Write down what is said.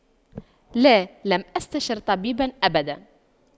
لا لم أستشر طبيبا أبدا